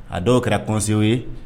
A dɔw kɛra kɔnso ye